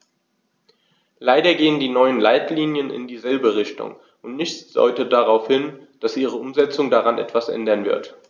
Leider gehen die neuen Leitlinien in dieselbe Richtung, und nichts deutet darauf hin, dass ihre Umsetzung daran etwas ändern wird.